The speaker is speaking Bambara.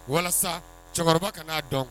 Walasa cɛkɔrɔba ka n'a dɔn